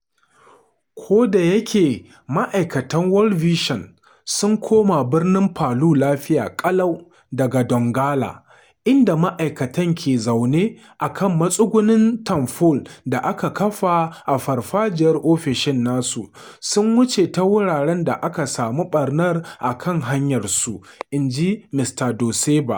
Kodayake ma’aikatan World Vision sun koma birnin Palu lafiya ƙalau daga Donggala, inda ma’aikatan ke zaune a matsugunan tanfol da aka kafa a farfajiyar ofishin nasu, sun wuce ta wuraren da aka samu ɓarnar akan hanyarsu, inji Mista Doseba.